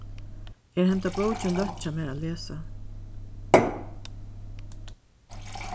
er henda bókin løtt hjá mær at lesa